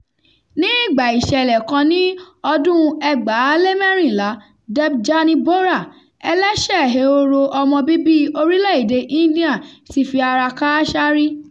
Nígbà ìṣẹ̀lẹ̀ kan ní 2014, Debjani Bora, ẹlẹ́sẹ̀ ehoro ọmọ bíbíi orílẹ̀-èdèe India ti fi ara kááṣá rí.